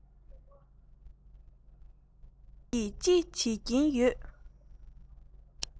ཁྱོད ཀྱིས ཅི བྱེད ཀྱིན ཡོད